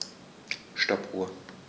Stoppuhr.